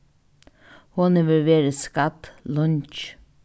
hon hevur verið skadd leingi